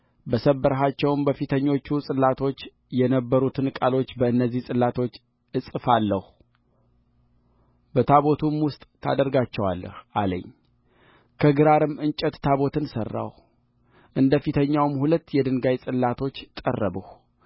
በሰበርሃቸውም በፊተኞቹ ጽላቶች የነበሩትን ቃሎች በእነዚህ ጽላቶች እጽፋለሁ በታቦቱም ውስጥ ታደርጋቸዋለህ አለኝ ከግራርም እንጨት ታቦትን ሠራሁ እንደ ፊተኞችም ሁለት የድንጋይ ጽላቶች ጠረብሁ